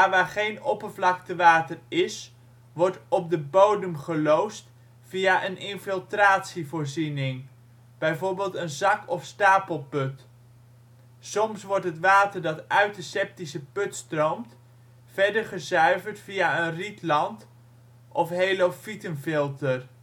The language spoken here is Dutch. waar geen oppervlaktewater is, wordt op de bodem geloosd via een infiltratievoorziening, bijvoorbeeld een zak - of stapelput. Soms wordt het water dat uit de septische put stroomt verder gezuiverd via een rietland of helofytenfilter